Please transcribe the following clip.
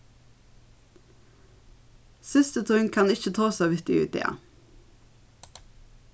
systir tín kann ikki tosa við teg í dag